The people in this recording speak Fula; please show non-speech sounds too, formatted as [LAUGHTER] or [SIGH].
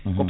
[HESITATION] [HESITATION]